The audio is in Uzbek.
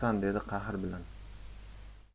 dedi qahr bilan